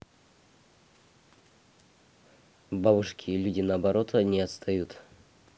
а бабушки люди наоборот они отстают